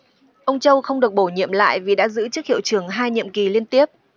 ông châu không được bổ nhiệm lại vì đã giữ chức hiệu trưởng hai nhiệm kỳ liên tiếp